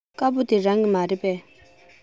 དཀར པོ འདི རང གི མ རེད པས